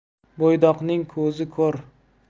bo'ydoqning ko'zi ko'r